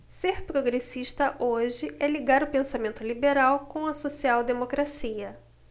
ser progressista hoje é ligar o pensamento liberal com a social democracia